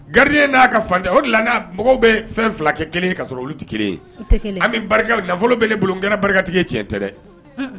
Garidi n'a ka fan o laka mɔgɔw bɛ fɛn fila kɛ kelen ka sɔrɔ olu tɛ kelen an nafolo bolo kɛnɛ barikatigi tiɲɛ tɛ dɛ